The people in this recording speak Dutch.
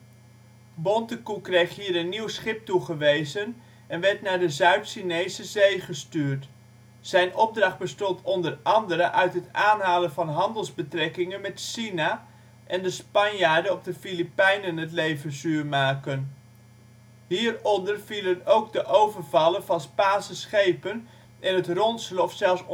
Bontekoe kreeg hier een nieuw schip toegewezen en werd naar de Zuid-Chinese Zee gestuurd. Zijn opdracht bestond onder andere uit het aanhalen van handelsbetrekkingen met China, en de Spanjaarden op de Filipijnen het leven zuur maken. Hieronder vielen ook het overvallen van Spaanse schepen en het ronselen of zelfs